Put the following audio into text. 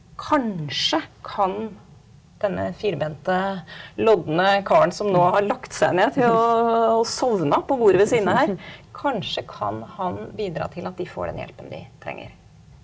kanskje kan denne firbente lodne karen som nå har lagt seg ned til og sovna på bordet ved siden av her kanskje kan han bidra til at de får den hjelpen de trenger.